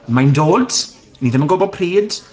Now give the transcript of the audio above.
Mae'n dod. Ni ddim yn gwybod pryd.